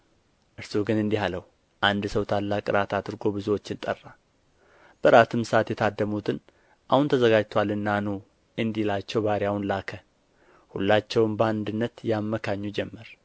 እርሱ ግን እንዲህ አለው አንድ ሰው ታላቅ እራት አድርጎ ብዙዎችን ጠራ በእራትም ሰዓት የታደሙትን አሁን ተዘጋጅቶአልና ኑ እንዲላቸው ባሪያውን ላከ ሁላቸውም በአንድነት ያመካኙ ጀመር